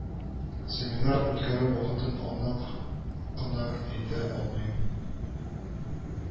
Семинар үткәрү вакытын анык кына әйтә алмыйм